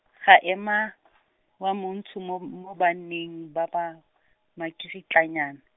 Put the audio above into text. ga ema , wa Montsho mo mo banneng ba ba, makiritlanyana.